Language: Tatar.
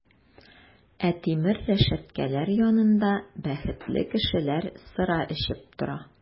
Ә тимер рәшәткәләр янында бәхетле кешеләр сыра эчеп тора!